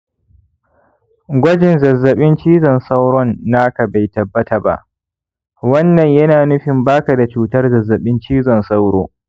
gwajin zazzabin cizon sauron naka bai tabbata ba, wannan yana nufin ba ka da cutar zazzabin cizon sauro